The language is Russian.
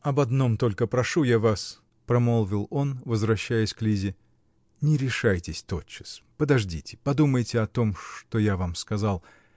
-- Об одном только прошу я вас, -- промолвил он, возвращаясь к Лизе, -- не решайтесь тотчас, подождите, подумайте о том, что я вам сказал.